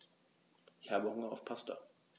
Ich habe Hunger auf Pasta.